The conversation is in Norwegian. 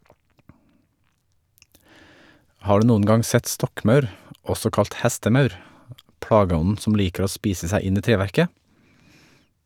Har du noen gang sett stokkmaur, også kalt hestemaur, plageånden som liker å spise seg inn i treverket?